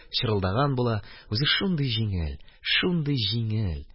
Чырылдаган була, үзе шундый җиңел, шундый җиңел!